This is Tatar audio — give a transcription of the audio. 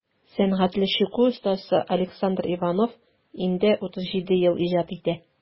Сәнгатьле чүкү остасы Александр Иванов инде 37 ел иҗат итә.